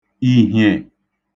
ìhìè